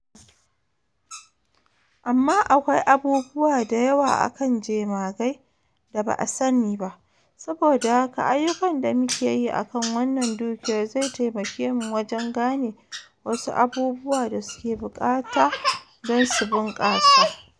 Amma akwai abubuwa da yawa akan jemagai da ba a sani ba, saboda haka ayyukan da muke yi akan wannan dukiyar zai taimake mu wajen gane wasu abubuwa da suke bukata dan su bunƙasa.”